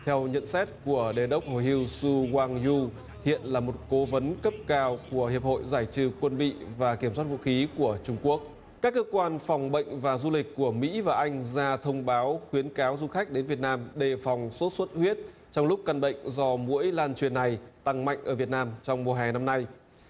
theo nhận xét của đề đốc hồi hưu su goang du hiện là một cố vấn cấp cao của hiệp hội giải trừ quân bị và kiểm soát vũ khí của trung quốc các cơ quan phòng bệnh và du lịch của mỹ và anh ra thông báo khuyến cáo du khách đến việt nam đề phòng sốt xuất huyết trong lúc căn bệnh do muỗi lan truyền này tăng mạnh ở việt nam trong mùa hè năm nay